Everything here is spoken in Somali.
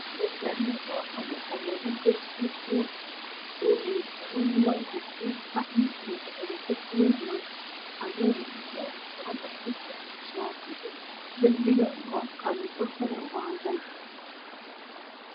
Meeshaan waa qol waxaa yaalo kursi iyo roogiisa. Rooga waa cadeys iyo qaxwi iyo dahabi, kursiga waa cadeys iyo dahabi labo barkin ayaa saaran. Darbiga waa qalin dhulkuna waa cadeys.